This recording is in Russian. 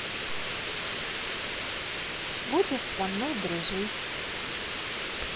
будешь со мной дружить